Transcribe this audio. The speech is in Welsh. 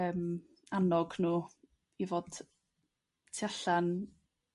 yrm annog nhw i fod yn t- tu allan